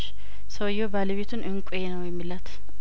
ሰውዬው ባለቤቱን እንቋ ነው የሚላት